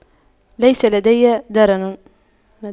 ليس لدي درن